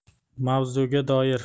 mavzuga doir